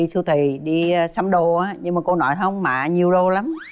đi siêu thị đi sắm đồ á nhưng mà cô nói hông má nhiều đồ lắm